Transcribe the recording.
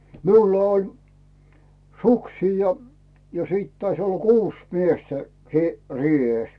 minulla oli suksia ja sitten taisi olla kuusi miestä - reessä